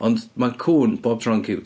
Ond mae cŵn bob tro yn ciwt.